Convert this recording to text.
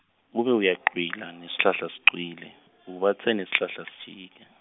ube uyacwila, nesihlahla sicwile , ubatse nesihlahla sijike.